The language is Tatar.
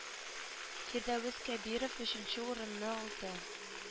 Фирдәвес кәбиров өченче урынны алды